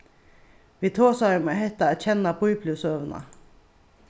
vit tosaðu um hetta at kenna bíbliusøguna